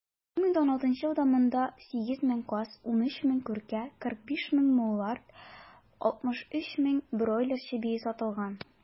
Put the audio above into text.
2016 елда монда 8 мең каз, 13 мең күркә, 45 мең мулард, 63 мең бройлер чебие сатылган.